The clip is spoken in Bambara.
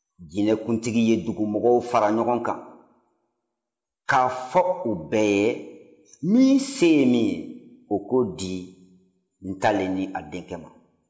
jinɛkuntigi ye dugumɔgɔw fara ɲɔgɔn kan k'a fɔ u bɛɛ ye k'i seko kɛ yalasa u bɛ lariba n'a denkɛ labila